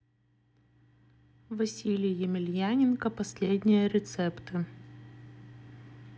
василий емельяненко последние рецепты